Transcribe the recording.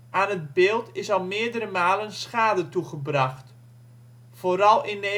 Aan het beeld is al meerdere malen schade toegebracht, vooral in 1972